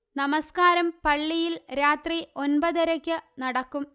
നമസ്കാരം പള്ളിയില് രാത്രി ഒന്പതരയ്ക്ക് നടക്കും